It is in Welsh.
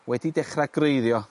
wedi dechra g'reiddio.